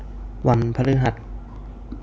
วันพฤหัส